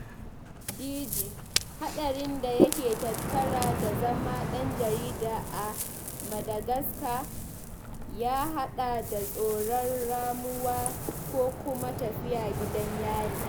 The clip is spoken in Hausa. DG: Haɗarin da yake tattare da zama ɗan jarida a Madagascar ya haɗa da tsoron ramuwa ko kuma tafiya gidan Yari.